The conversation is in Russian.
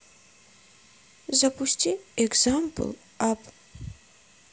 запусти экзампл ап